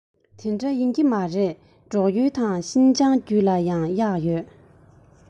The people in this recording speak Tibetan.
དེ འདྲ ཡིན གྱི མ རེད འབྲུག ཡུལ དང ཤིན ཅང རྒྱུད ལ ཡང གཡག ཡོད རེད